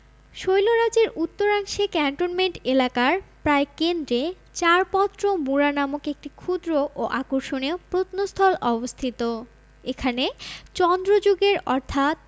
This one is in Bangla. শৈলরাজির উত্তরাংশে ক্যান্টনমেন্ট এলাকার প্রায় কেন্দ্রে চারপত্র মুড়া নামক একটি ক্ষুদ্র ও আকর্ষণীয় প্রত্নস্থল অবস্থিত এখানে চন্দ্র যুগের অর্থাৎ